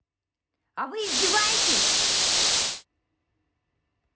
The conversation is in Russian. а вы издеваетесь